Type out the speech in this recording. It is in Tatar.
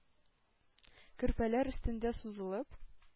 Көрпәләр өстендә сузылып,